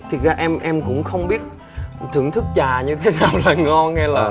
thực ra em em cũng không biết thưởng thức trà như thế nào là ngon hay là